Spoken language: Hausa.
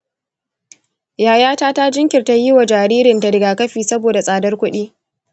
yayata ta jinkirta yi wa jaririnta rigakafi saboda tsadar kuɗi.